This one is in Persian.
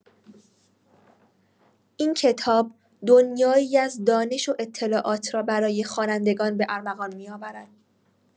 این کتاب دنیایی از دانش و اطلاعات را برای خوانندگان به ارمغان می‌آورد.